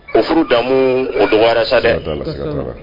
O furu damu o don warisa dɛ